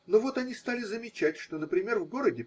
Но вот они стали замечать, что, например, в г.